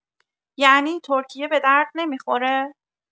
یعنی ترکیه بدرد نمی‌خوره؟